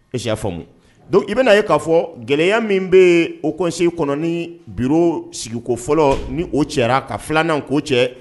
Est ce que i y'a faamu donc i bɛna ye k'a fɔ gɛlɛya min bɛ haut conseil kɔnɔ ni biro sigiko fɔlɔ ni o cɛra ka 2nan k'o cɛ